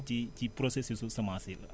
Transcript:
ci ci processus su semence yi